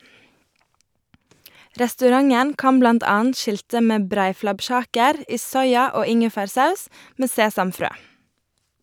Restauranten kan blant annet skilte med breiflabbkjaker i soya- og ingefærsaus med sesamfrø.